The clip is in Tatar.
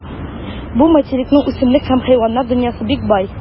Бу материкның үсемлек һәм хайваннар дөньясы бик бай.